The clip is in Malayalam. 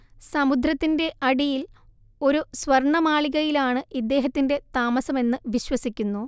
സമുദ്രത്തിന്റെ അടിയിൽ ഒരു സ്വർണ്ണമാളികയിലാണ് ഇദ്ദേഹത്തിന്റെ താമസമെന്ന് വിശ്വസിക്കുന്നു